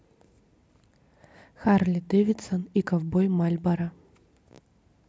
харли дэвидсон и ковбой мальборо